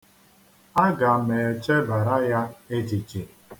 Aga m echebara ya echiche.